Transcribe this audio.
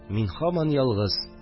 Мин һаман ялгыз